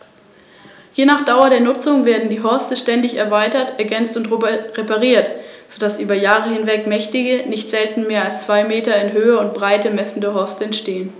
Der römische Feldherr Scipio setzte nach Afrika über und besiegte Hannibal bei Zama.